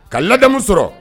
Ka lamu sɔrɔ